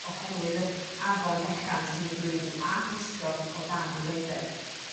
oherwydd yr afon fechan sy'n mynd drwyddi a cysgod o dan y goeden.